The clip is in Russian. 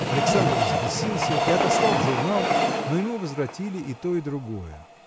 Александр взбесился и отослал в журнал но ему возвратили и то и другое.